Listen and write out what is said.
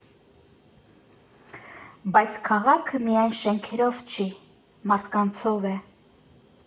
Բայց քաղաքը միայն շենքերով չի՝ մարդկանցով է։